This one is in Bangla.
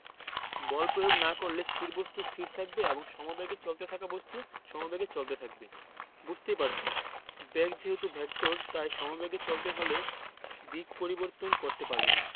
বল প্রয়োগ না করলে স্থির বস্তু স্থির থাকবে এবং সমেবেগে চলতে থাকা বস্তু সমেবেগে চলতে থাকবে বুঝতেই পারছ বেগ যেহেতু ভেক্টর তাই সমবেগে চলতে হলে দিক পরিবর্তন করতে পারবে না